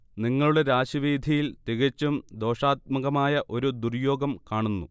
നിങ്ങളുടെ രാശിവീഥിയിൽ തികച്ചും ദോഷാത്മകമായ ഒരു ദുർയോഗം കാണുന്നു